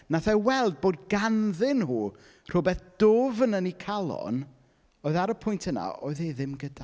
Wnaeth e weld bod ganddyn nhw rhywbeth dwfn yn eu calon oedd ar y pwynt yna oedd e ddim gyda.